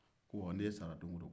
ko wa n'e sara don wo don